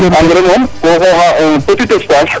Engrais moom ko xooxa un petit espace,